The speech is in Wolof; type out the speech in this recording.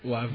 waa